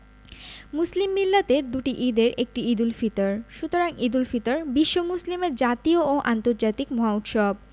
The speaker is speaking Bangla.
মুসলিম মিল্লাতের দুটি ঈদের একটি ঈদুল ফিতর সুতরাং ঈদুল ফিতর বিশ্ব মুসলিমের জাতীয় ও আন্তর্জাতিক মহা উৎসব